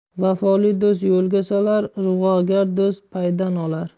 vafoli do'st yo'lga solar ig'vogar do'st paydan olar